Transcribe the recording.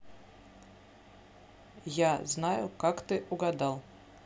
я знаю как ты угадал